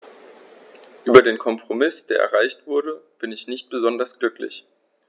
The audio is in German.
Über den Kompromiss, der erreicht wurde, bin ich nicht besonders glücklich.